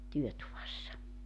työtuvassa